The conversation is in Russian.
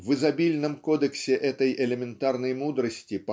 в изобильном кодексе этой элементарной мудрости